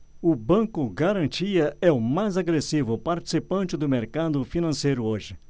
o banco garantia é o mais agressivo participante do mercado financeiro hoje